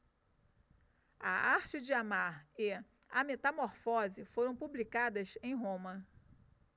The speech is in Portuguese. a arte de amar e a metamorfose foram publicadas em roma